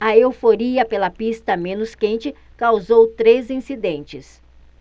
a euforia pela pista menos quente causou três incidentes